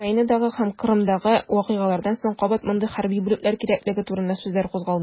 Украинадагы һәм Кырымдагы вакыйгалардан соң кабат мондый хәрби бүлекләр кирәклеге турында сүзләр кузгалды.